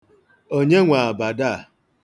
Onye nwe abada a?